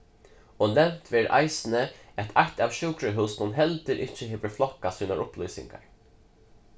og nevnt verður eisini at eitt av sjúkrahúsunum heldur ikki hevur flokkað sínar upplýsingar